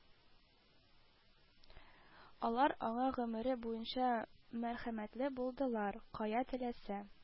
Алар аңа гомере буена мәрхәмәтле булдылар: кая теләсә